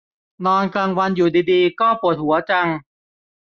นอนกลางวันอยู่ดีดีก็ปวดหัวจัง